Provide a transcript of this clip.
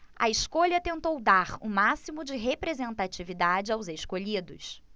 a escolha tentou dar o máximo de representatividade aos escolhidos